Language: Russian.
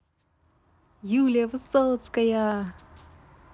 юлия высоцкая